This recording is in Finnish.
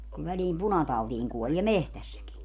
kun väliin punatautiin kuolee metsässäkin